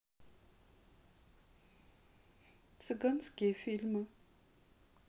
цыганские фильмы